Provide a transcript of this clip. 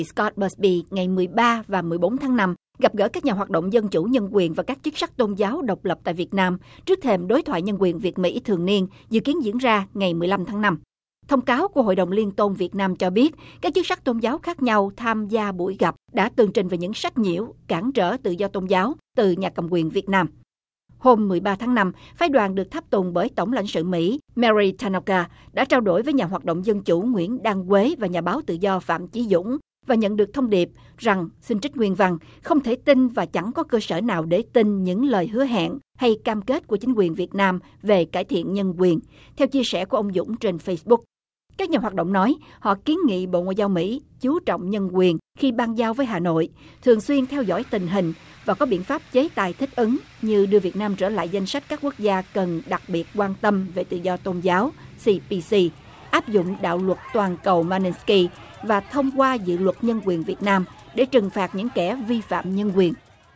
cót bớt bi ngày mười ba và mười bốn tháng năm gặp gỡ các nhà hoạt động dân chủ nhân quyền và các chức sắc tôn giáo độc lập tại việt nam trước thềm đối thoại nhân quyền việt mỹ thường niên dự kiến diễn ra ngày mười lăm tháng năm thông cáo của hội đồng liên tôn việt nam cho biết các chức sắc tôn giáo khác nhau tham gia buổi gặp đã tường trình về những sách nhiễu cản trở tự do tôn giáo từ nhà cầm quyền việt nam hôm mười ba tháng năm phái đoàn được tháp tùng bởi tổng lãnh sự mỹ ma ri ta na ka đã trao đổi với nhà hoạt động dân chủ nguyễn đan quế và nhà báo tự do phạm chí dũng và nhận được thông điệp rằng xin trích nguyên văn không thể tin và chẳng có cơ sở nào để tin những lời hứa hẹn hay cam kết của chính quyền việt nam về cải thiện nhân quyền theo chia sẻ của ông dũng trên facebook các nhà hoạt động nói họ kiến nghị bộ ngoại giao mỹ chú trọng nhân quyền khi bang giao với hà nội thường xuyên theo dõi tình hình và có biện pháp chế tài thích ứng như đưa việt nam trở lại danh sách các quốc gia cần đặc biệt quan tâm về tự do tôn giáo si bi ci áp dụng đạo luật toàn cầu ma ni ki và thông qua dự luật nhân quyền việt nam để trừng phạt những kẻ vi phạm nhân quyền